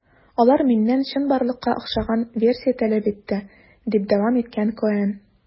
Алар миннән чынбарлыкка охшаган версия таләп итте, - дип дәвам иткән Коэн.